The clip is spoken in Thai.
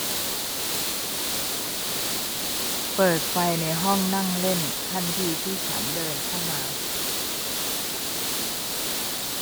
เปิดไฟในห้องนั่งเล่นทันทีที่ฉันเดินเข้ามา